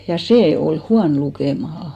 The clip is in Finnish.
ja se oli huono lukemaan